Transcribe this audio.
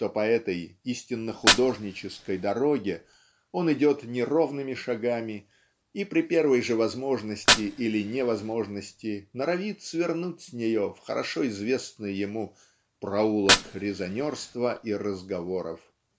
что по этой истинно художнической дороге он идет неровными шагами и при первой же возможности или невозможности норовит свернуть с нее в хорошо известный ему проулок резонерства и разговоров.